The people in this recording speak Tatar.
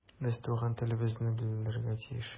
Без туган телебезне белергә тиеш.